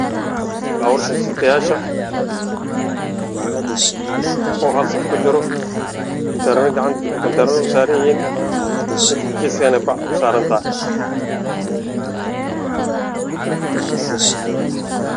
Waa baabuurta xamuulka midabkoodu yahay gudood